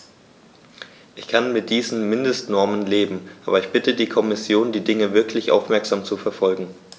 Ich kann mit diesen Mindestnormen leben, aber ich bitte die Kommission, die Dinge wirklich aufmerksam zu verfolgen.